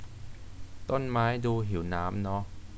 ต้นไม้ดูหิวน้ำเนอะ